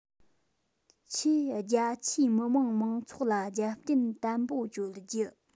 ཆེས རྒྱ ཆེའི མི དམངས མང ཚོགས ལ རྒྱབ རྟེན དམ པོ བཅོལ རྒྱུ